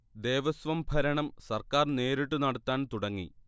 ദേവസ്വം ഭരണം സർക്കാർ നേരിട്ടു നടത്താൻ തുടങ്ങി